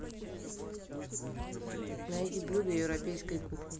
найди блюда европейской кухни